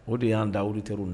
O de y'an da oluter na